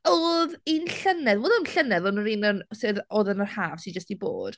Oedd un llynedd, wel ddim llynedd ond yr un yn... sef oedd yn yr haf sy jyst 'di bod...